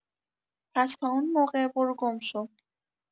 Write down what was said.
پس تا اون موقع برو گم شو